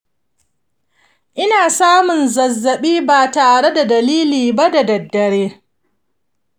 ina samun zazzaɓi ba tare da dalili ba da daddare.